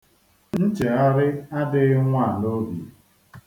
Nchegharị adịghị nnwa a n'obi.